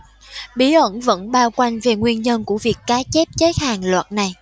bí ẩn vẫn bao quanh về nguyên nhân của việc cá chép chết hàng loạt này